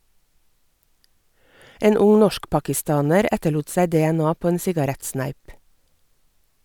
En ung norsk-pakistaner etterlot seg DNA på en sigarettsneip.